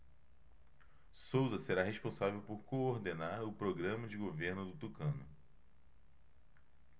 souza será responsável por coordenar o programa de governo do tucano